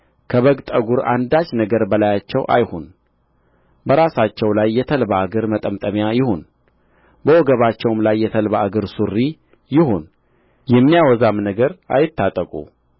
ከበግ ጠጕር አንዳች ነገር በላያቸው አይሁን በራሳቸው ላይ የተልባ እግር መጠምጠሚያ ይሁን በወገባቸውም ላይ የተልባ እግር ሱሪ ይሁን የሚያወዛም ነገር አይታጠቁ